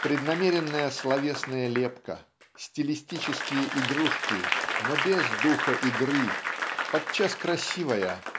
Преднамеренная словесная лепка стилистические игрушки но без духа игры подчас красивая